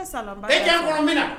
E diya min